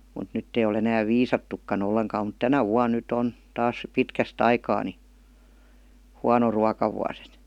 mutta nyt ei ole enää viisattukaan ollenkaan mutta tänä vuonna nyt on taas pitkästä aikaa niin huono ruokavuosi että